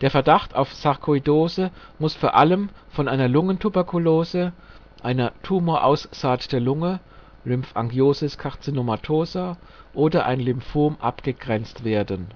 Verdacht auf Sarkoidose muss vor allem von einer Lungentuberkulose, ein Tumoraussaat der Lunge (Lymphangiosis carcinomatosa) oder ein Lymphom abgegrenzt werden